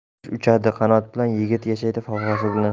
qush uchadi qanoti bilan yigit yashaydi vafosi bilan